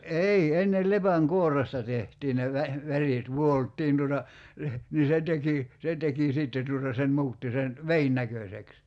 ei ennen lepänkuoresta tehtiin ne - värit vuoltiin tuota - niin se teki se teki sitten tuota se muutti sen veden näköiseksi